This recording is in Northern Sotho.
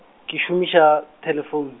ke šomiša, thelefoune.